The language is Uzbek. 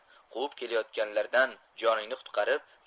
quvib kelayotganlardan joningni qutqarib